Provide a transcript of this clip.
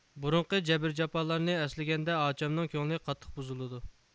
بۇرۇنقى جەبىر جاپالارنى ئەسلىگىنىدە ئاچامنىڭ كۆڭلى قاتتىق بۇزۇلىدۇ